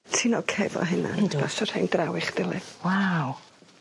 Ti'no oce efo hynna? Yndw. Pasio rhein draw i'ch gilydd.